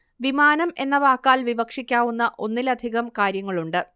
വിമാനം എന്ന വാക്കാൽ വിവക്ഷിക്കാവുന്ന ഒന്നിലധികം കാര്യങ്ങളുണ്ട്